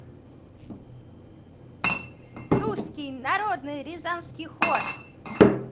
русский народный рязанский хор